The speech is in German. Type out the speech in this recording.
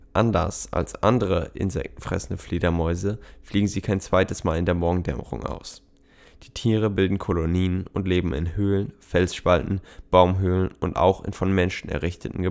Anders als andere insektenfressende Fledermäuse fliegen sie kein zweites Mal in der Morgendämmerung aus. Die Tiere bilden Kolonien und leben in Höhlen, Felsspalten, Baumhöhlen und auch in von Menschen errichteten